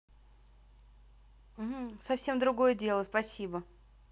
совсем другое дело спасибо